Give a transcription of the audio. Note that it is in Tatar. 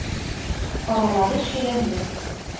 Аралары чирәмле.